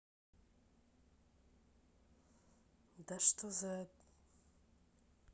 да что за